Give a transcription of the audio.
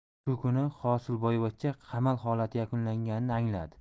shu kuni hosilboyvachcha qamal holati yakunlanganini angladi